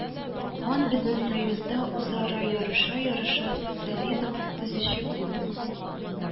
Ган безнең союзда үзара ярыша-ярыша социализм төзүче күп